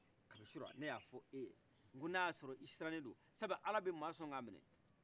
kabi surɔ ne y'a f'eye ko n'aya sɔrɔ i siran nedo sabu ala bi ma sɔn ka kila ka minɛ